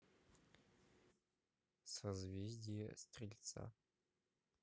созвездие стрельца